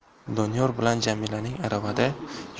doniyor bilan jamilaning aravada